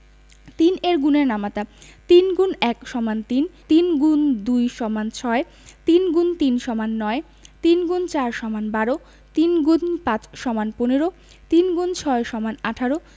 ৩ এর গুণের নামতা ৩ X ১ = ৩ ৩ X ২ = ৬ ৩ × ৩ = ৯ ৩ X ৪ = ১২ ৩ X ৫ = ১৫ ৩ x ৬ = ১৮